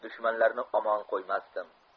dushmanlarni omon qo'ymasdim